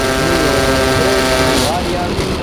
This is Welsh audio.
mwy o wres a mwy o arian